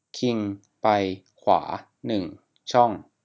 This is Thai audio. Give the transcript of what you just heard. คิงไปขวาหนึ่งช่อง